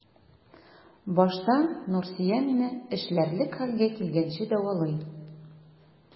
Башта Нурсөя мине эшләрлек хәлгә килгәнче дәвалый.